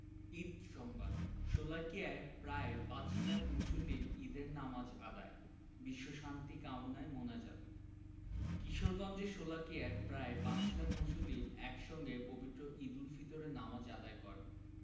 ঈদ সংবাদ শোলাকিয়ায় প্রায় পাঁচ লাখ মুসল্লির ঈদের নামাজ আদায় বিশ্বশান্তি কামনায় মোনাজাত কিশোরগঞ্জের শোলাকিয়ায় প্রায় পাঁচ লাখ মুসল্লি একসঙ্গে পবিত্র ঈদুল ফিতরের নামাজ আদায় করেন